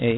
eyyi